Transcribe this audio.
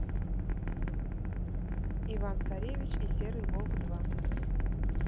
иван царевич и серый волк два